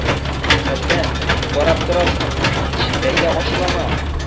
Хәсән, ни карап торасың, җый әйдә ашлама!